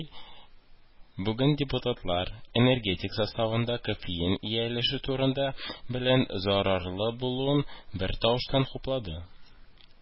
Бүген депутатлар “энергетик” составындагы кофеинның ияләшү тудыруы белән зарарлы булуын бертавыштан хуплады